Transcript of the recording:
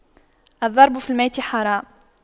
الضرب في الميت حرام